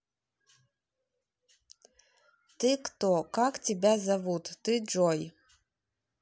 ты кто как тебя зовут ты джой